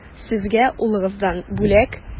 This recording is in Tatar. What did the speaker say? Сезгә улыгыздан бүләк.